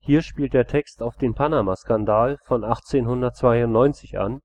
Hier spielt der Text auf den Panamaskandal von 1892 an,